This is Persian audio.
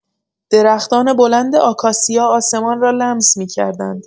درختان بلند آکاسیا آسمان را لمس می‌کردند.